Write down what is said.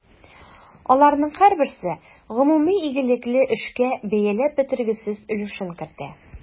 Аларның һәрберсе гомуми игелекле эшкә бәяләп бетергесез өлешен кертә.